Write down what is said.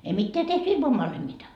ei mitään tehty ilman vanhemmitta